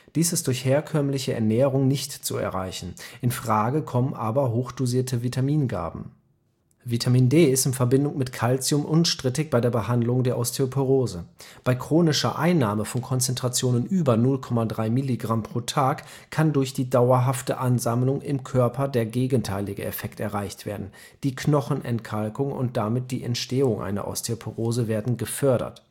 Dies ist durch herkömmliche Ernährung nicht zu erreichen. In Frage kommen aber hochdosierte Vitamingaben. Vitamin D ist in Verbindung mit Calcium unstrittig bei der Behandlung der Osteoporose. Bei chronischer Einnahme von Konzentrationen über 0,3 mg/d kann durch die dauerhafte Ansammlung im Körper der gegenteilige Effekt erreicht werden, die Knochenentkalkung und damit die Entstehung einer Osteoporose werden gefördert